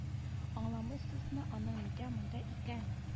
Аңламыйсызмы аның нигә монда икәнен